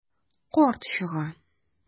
Карт чыга.